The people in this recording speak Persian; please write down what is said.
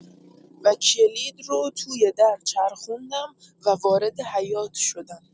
و کلید رو توی در چرخوندم و وارد حیاط شدم.